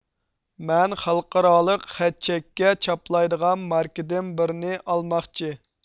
مەن خەلقئارالىق خەت چەككە چاپلايدىغان ماركىدىن بىرنى ئالماقچى